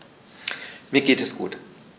Mir geht es gut.